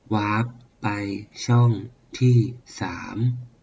วาปไปช่องที่สาม